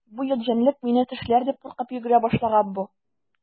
Бу ят җәнлек мине тешләр дип куркып йөгерә башлаган бу.